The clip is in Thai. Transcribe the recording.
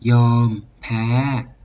ยอมแพ้